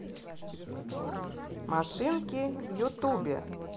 машинки в ютубе